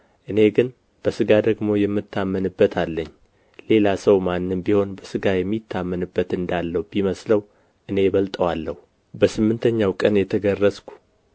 እኔ ግን በሥጋ ደግሞ የምታመንበት አለኝ ሌላ ሰው ማንም ቢሆን በሥጋ የሚታመንበት እንዳለው ቢመስለው እኔ እበልጠዋለሁ በስምንተኛው ቀን የተገረዝሁ